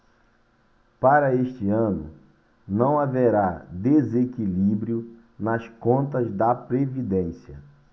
para este ano não haverá desequilíbrio nas contas da previdência